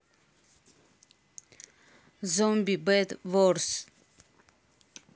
zombie bad worse